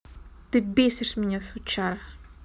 ты бесишь меня сучара